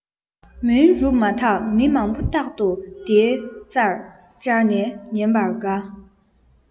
མུན རུབ མ ཐག མི མང པོ རྟག དུ དེའི རྩར བཅར ནས ཉན པར དགའ